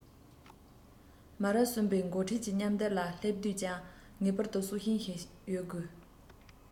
མི རབས གསུམ པའི འགོ ཁྲིད ཀྱི མཉམ བསྡེབ ལ སླེབས དུས ཀྱང ངེས པར དུ སྲོག ཤིང ཞིག ཡོད དགོས